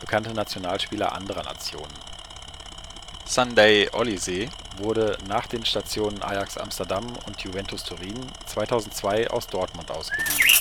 Bekannte Nationalspieler anderer Nationen Sunday Oliseh wurde nach den Stationen Ajax Amsterdam und Juventus Turin 2002 aus Dortmund ausgeliehen.